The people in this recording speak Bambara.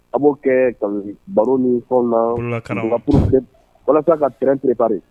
A b'o kɛ ka baro ni fɔlɔ la walasa ka prɛnprepri